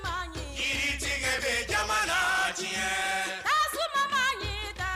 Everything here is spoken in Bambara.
Maaɲi yiritigɛ bɛ jamana tiɲɛ tasuma maɲi ta